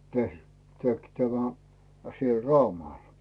- teki tämä siellä Raumalla